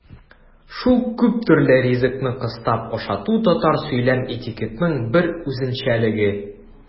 Шул күптөрле ризыкны кыстап ашату татар сөйләм этикетының бер үзенчәлеге.